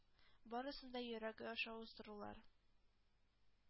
Барысын да йөрәге аша уздырулар…